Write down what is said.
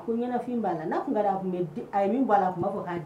A